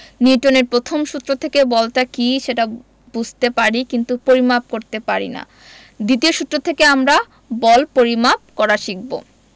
নিউটনের প্রথম সূত্র থেকে বলটা কী সেটা বুঝতে পারি কিন্তু পরিমাপ করতে পারি না দ্বিতীয় সূত্র থেকে আমরা বল পরিমাপ করা শিখব